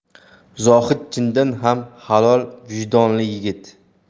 zohid chindan ham halol vijdonli yigit